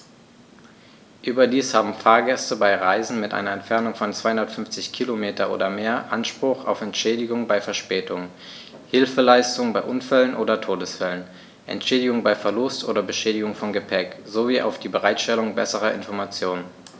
Überdies haben Fahrgäste bei Reisen mit einer Entfernung von 250 km oder mehr Anspruch auf Entschädigung bei Verspätungen, Hilfeleistung bei Unfällen oder Todesfällen, Entschädigung bei Verlust oder Beschädigung von Gepäck, sowie auf die Bereitstellung besserer Informationen.